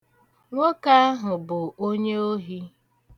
Nwoke ahụ bụ onye ohi.